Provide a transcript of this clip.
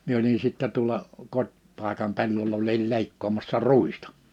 minä olin sitten tuolla kotipaikan pellolla olin leikkaamassa ruista